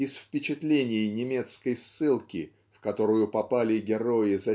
из впечатлений немецкой ссылки в которую попали герои